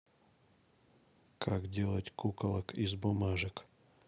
как делать куколок из бумажек